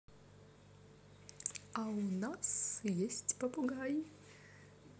а у нас есть попугай